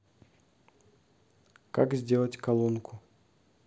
как сделать колонку